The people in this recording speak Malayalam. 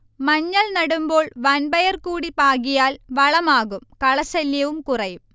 മഞ്ഞൾ നടുമ്പോൾ വൻപയർ കൂടി പാകിയാൽ വളമാകും കളശല്യവും കുറയും